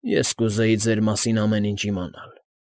Ես կուզեի ձեր մասին ամեն ինչ իմանալ։